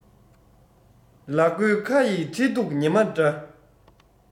ལ མགོའི ཁ ཡི ཁྲི གདུགས ཉི མ འདྲ